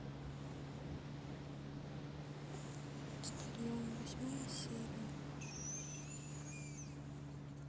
почтальон восьмая серия